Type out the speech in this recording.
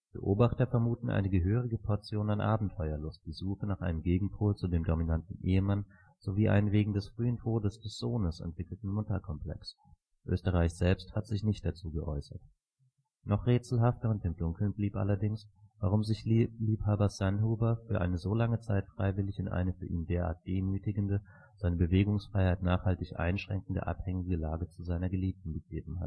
Beobachter vermuteten eine gehörige Portion an Abenteuerlust, die Suche nach einem Gegenpol zu dem dominanten Ehemann sowie einen wegen des frühen Todes des Sohnes entwickelten Mutterkomplex; Oesterreich selbst hat sich nicht dazu geäußert. Noch rätselhafter und im Dunkeln blieb allerdings, warum sich Liebhaber Sandhuber für eine so lange Zeit freiwillig in eine für ihn derart demütigende, seine Bewegungsfreiheit nachhaltig einschränkende abhängige Lage zu seiner Geliebten begeben hat